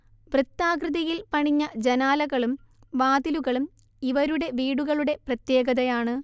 വൃത്താകൃതിയിൽ പണിഞ്ഞ ജനാലകളും വാതിലുകളും ഇവരുടെ വീടുകളുടെ പ്രത്യേകതയാണ്